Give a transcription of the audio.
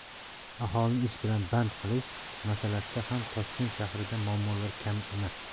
aholini ish bilan band qilish masalasida ham toshkent shahrida muammolar kam emas